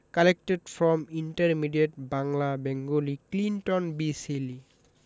collected from intermediate Bangla Bengali Clinton B Seely